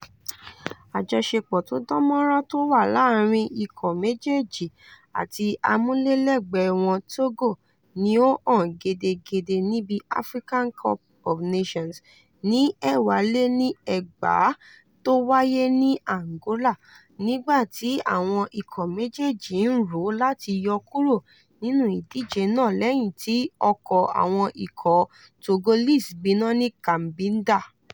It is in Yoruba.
Àjọsepọ̀ tó dán mọ́rán tó wà láàárìn ikọ̀ méjéèjì àtí amúlélẹ́gbẹ̀ẹ́ wọn Togo ni ó hàn gédégédé níbi African Cup of Nations ní 2010 tó wáyé ní Angola nígbà tí àwọn ikọ̀ méjéèjì ń ròó láti yọ kúró nínú ìdíje náà lẹ́yìn tí ọkọ̀ àwọn ikọ̀ Togolese gbiná ni Cabinda.